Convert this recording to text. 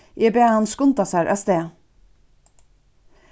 eg bað hann skunda sær avstað